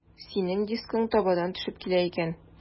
Синең дискың табадан төшеп килә икән.